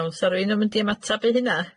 Iawn, 'sa rywun yn mynd i ymatab i hynna?